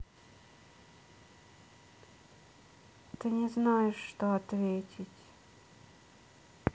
ты не знаешь что ответить